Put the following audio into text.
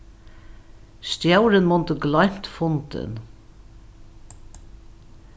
stjórin mundi gloymt fundin